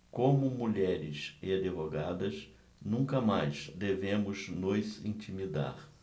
como mulheres e advogadas nunca mais devemos nos intimidar